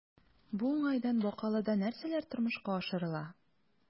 Бу уңайдан Бакалыда нәрсәләр тормышка ашырыла?